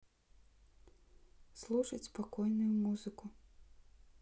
слушать спокойную музыку